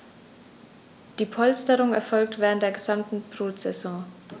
Diese Polsterung erfolgt während der gesamten Brutsaison.